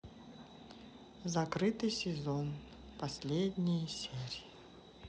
закрытый сезон последние серии